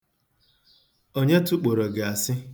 Onye tụkporo gị asị?